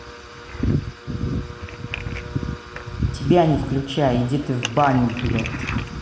тебя не включай иди ты в баню блядь